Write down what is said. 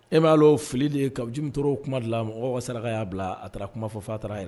E ma dɔn o fili de ye ka jimi tola kuma de la mɔgɔw ka saraka ya bila a taara kuma fɔ fa taara a yɛrɛ